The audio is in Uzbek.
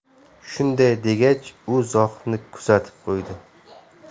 shunday degach u zohidni kuzatib qo'ydi